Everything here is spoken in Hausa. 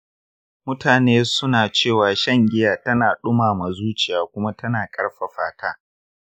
mutane suna cewa shan giya tana dumama zuciya kuma tana ƙarfafa ta.